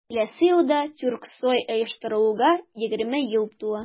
Киләсе елда Тюрксой оештырылуга 20 ел тула.